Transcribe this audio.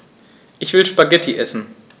Ich will Spaghetti essen.